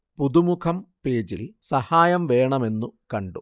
പുതുമുഖം പേജിൽ സഹായം വേണമെന്നു കണ്ടു